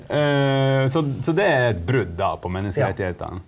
så så det er et brudd da på menneskerettighetene.